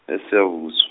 eSiyabusw-.